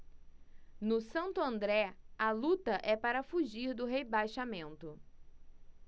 no santo andré a luta é para fugir do rebaixamento